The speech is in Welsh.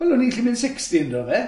Wel, o'n i'n gallu mynd sixty ynddo fe?